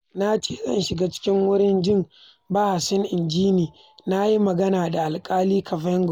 "Na ce zan shiga cikin wurin jin bahasin, inji ni, na yi magana da Alƙali Kavanaugh.